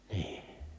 niin